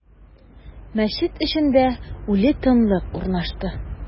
Мәчет эчендә үле тынлык урнашты.